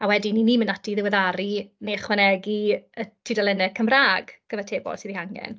A wedyn 'y ni'n mynd ati i ddiweddaru neu ychwanegu y tudalennau Cymraeg cyfatebol sydd eu hangen.